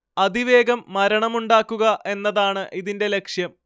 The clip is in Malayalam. അതിവേഗം മരണമുണ്ടാക്കുക എന്നതാണ് ഇതിന്റെ ലക്ഷ്യം